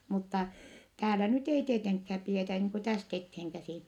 mutta täällä nyt ei tietenkään pidetä niin kuin tästä eteenkäsin